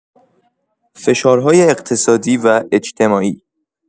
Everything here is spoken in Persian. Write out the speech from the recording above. فشارهای اقتصادی و اجتماعی